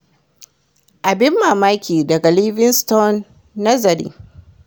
‘Abin mamaki’ daga Livingston - nazari